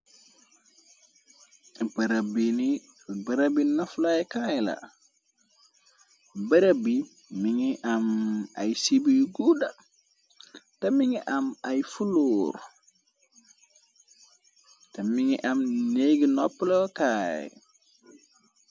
Garab bi garab bi naflay kaayla barab bi mi ngi am ay sibiy guuda té mi ngi am ay fulor té mi ngi am néggi noppl kaay.